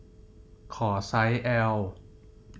ขอไซส์แอล